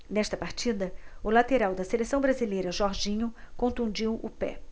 nesta partida o lateral da seleção brasileira jorginho contundiu o pé